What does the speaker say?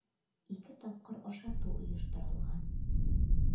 Ике тапкыр ашату оештырылган.